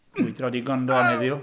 Mwydro digon, yn do, am heddiw?